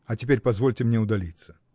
А теперь позвольте мне удалиться.